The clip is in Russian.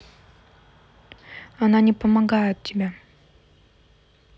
она не помогает тебя